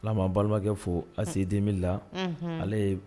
Ala ma balimakɛ fo a sedenme la ale ye